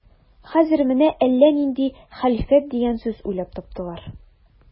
Хәзер менә әллә нинди хәлифәт дигән сүз уйлап таптылар.